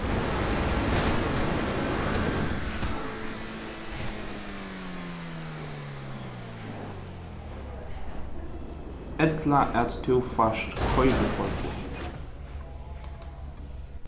ella at tú fært koyriforboð